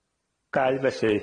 Gau felly.